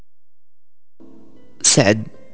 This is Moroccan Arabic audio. سعد